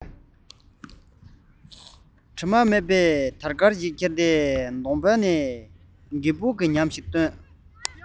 དྲི མས སྦགས པའི ཁ བཏགས ཤིག ཁུར འདུག གཉེར མས ཁེངས པའི གདོང རྒས ཉམས དོད པོ ཤར